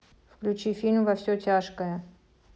включи фильм во все тяжкое